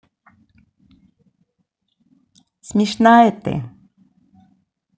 смешная ты